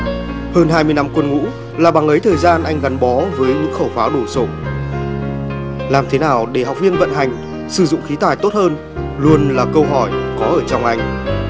hơn hai mươi năm quân ngũ là bằng ấy thời gian anh gắn bó với những khẩu pháo đủ xộp làm thế nào để học viên vận hành sử dụng khí tài tốt hơn luôn là câu hỏi có ở trong anh